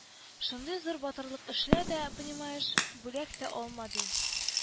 Шундый зур батырлык эшлә дә, понимаешь, бүләк тә алма ди